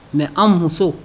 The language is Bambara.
Mɛ an muso